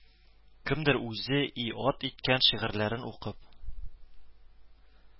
Кемдер үзе и ат иткән шигырьләрен укып